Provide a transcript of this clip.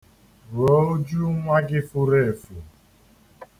Ruo ụjụ nwa gị furu efu.